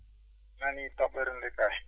mi nanii toɓɓere ndee kayi